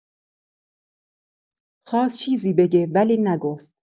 خواست چیزی بگه، ولی نگفت.